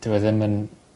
Dyw e ddim yn